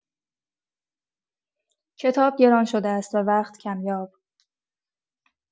کتاب گران شده است و وقت کمیاب.